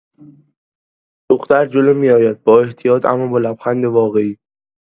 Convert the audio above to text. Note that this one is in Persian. دختر جلو می‌آید، با احتیاط اما با لبخندی واقعی.